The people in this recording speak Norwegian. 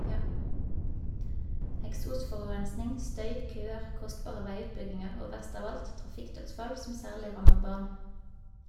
Eksosforurensing, støy, køer, kostbare veiutbygginger og verst av alt - trafikkdødsfall, som særlig rammer barn.